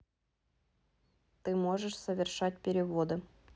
ты можешь совершать переводы